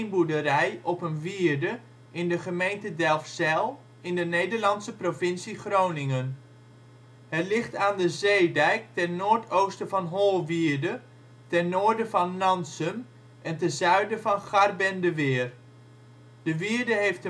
boerderij op een wierde in de gemeente Delfzijl in de Nederlandse provincie Groningen. Het ligt aan de zeedijk ten noordoosten van Holwierde, ten noorden van Nansum en ten zuiden van Garbendeweer. De wierde heeft